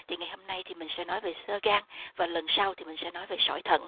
thì ngày hôm nay thì mình sẽ nói về xơ gan và lần sau thì mình sẽ nói về sỏi thận